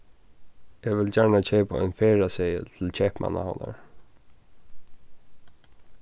eg vil gjarna keypa ein ferðaseðil til keypmannahavnar